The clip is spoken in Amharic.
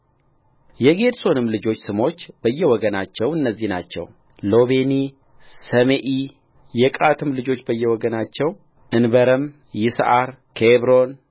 የጌድሶንም ልጆች ስሞች በየወገናቸው እነዚህ ናቸው ሎቤኒ ሰሜኢየቀዓትም ልጆች በየወገናቸው እንበረም ይስዓር ኬብሮን